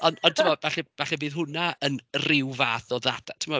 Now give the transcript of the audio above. Ond ond timod, falle falle bydd hwnna yn ryw fath o ddata, timod.